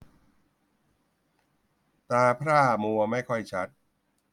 ตาพร่ามัวไม่ค่อยชัด